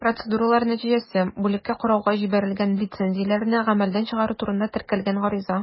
Процедуралар нәтиҗәсе: бүлеккә карауга җибәрелгән лицензияләрне гамәлдән чыгару турында теркәлгән гариза.